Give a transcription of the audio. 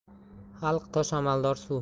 xalq tosh amaldor suv